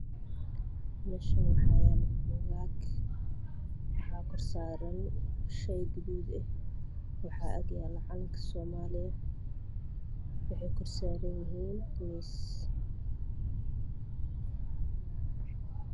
Meshan waxa yaalo buugaag waxa korsaran sheeg gaduug ah waxa agyaalo calanka somalia waxeey korsaran yahiin miis